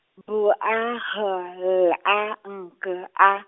B A H L A N K A.